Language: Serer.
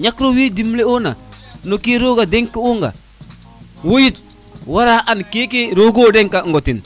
ñakiro we dim le ona no ke roga deki onga wo it wara an keke rogo dekan ngo ten